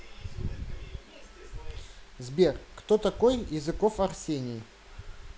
сбер кто такой языков арсений